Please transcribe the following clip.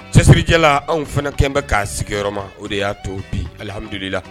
Cɛsiririjɛla anw fana kɛlenbɛn k'a sigiyɔrɔ ma o de y'a to bi alihamdulila